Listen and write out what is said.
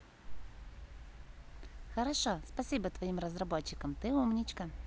хорошо спасибо твоим разработчикам ты умничка